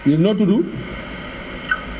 noo tudd